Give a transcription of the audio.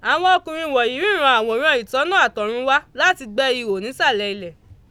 Àwọn ọkùnrin wọ̀nyí ríran ‘àwòrán ìtọ́nà’ àtọ̀run wá láti gbẹ́ ihò nísàlẹ̀ ilẹ̀